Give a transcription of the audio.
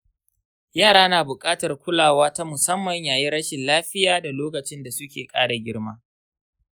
yara na buƙatar kulawa ta musamman yayin rashin lafiya da lokacin da suke ƙara girma.